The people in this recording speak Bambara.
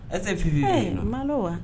Ɛ tɛ pbi ma wa